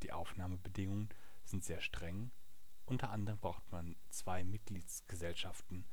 Aufnahmebedingungen sind sehr streng, unter anderem braucht man zwei Mitgliedsgesellschaften